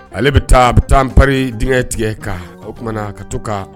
Ale bɛ taa bɛ taapri denkɛ tigɛ ka o tuma na ka to ka